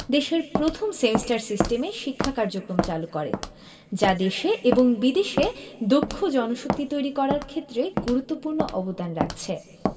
দেশের প্রথম সেমিস্টার সিস্টেমে শিক্ষা কার্যক্রম চালু করেছে যা দেশে এবং বিদেশে দক্ষ জনশক্তি তৈরি করার ক্ষেত্রে গুরুত্বপূর্ণ অবদান রাখছে